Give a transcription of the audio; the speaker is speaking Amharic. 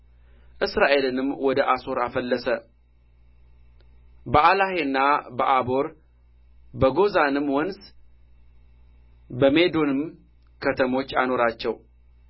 እስራኤልንም ወደ አሦር አፈለሰ በአላሔና በአቦር በጎዛንም ወንዝ በሜዶንም ከተሞች አኖራቸው